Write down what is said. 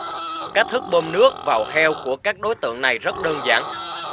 cách thức bơm nước vào heo của các đối tượng này rất đơn giản